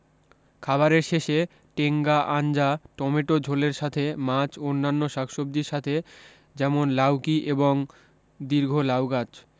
খাবারের শেষে টেঙ্গা আঞ্জা টমেটো ঝোলের সাথে মাছ অন্যান্য শাকসবজির সাথে যেমন লাউকি এবং দীর্ঘ লাউগাছ